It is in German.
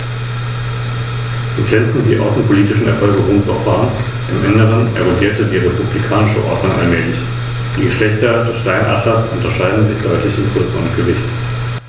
Der Sieg über Karthago im 1. und 2. Punischen Krieg sicherte Roms Vormachtstellung im westlichen Mittelmeer.